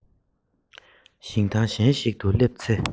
ཞིང ཐང གཞན ཞིག ཏུ སླེབས ཚེ